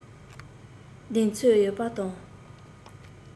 གདེང ཚོད ཡོད པ དང